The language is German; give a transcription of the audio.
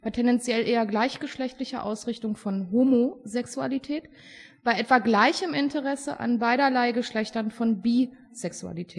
tendenziell eher gleichgeschlechtlicher Ausrichtung von Homosexualität, bei etwa gleichem Interesse an beiderlei Geschlechtern von Bisexualität